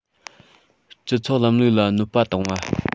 སྤྱི ཚོགས ལམ ལུགས ལ གནོད པ བཏང བ